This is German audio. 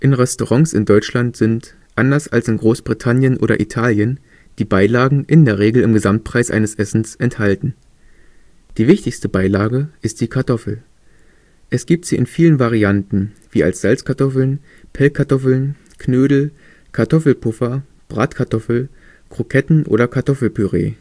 Restaurants in Deutschland sind – anders als in Großbritannien oder Italien – die Beilagen in der Regel im Gesamtpreis eines Essens enthalten. Die wichtigste Beilage ist die Kartoffel. Es gibt sie in vielen Variationen, wie als Salzkartoffeln, Pellkartoffeln, Knödel, Kartoffelpuffer, Bratkartoffel, Kroketten oder Kartoffelpüree